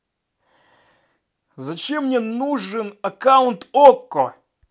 зачем мне нужен аккаунт okko